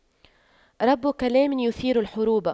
رب كلام يثير الحروب